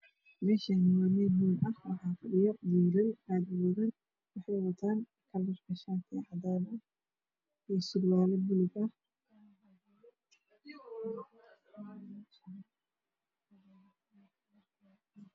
Meeshaan waa meel hool ah wiilal ayaa jooga waxay wataan shaati cadaan ah iyo surwaal buluug ah.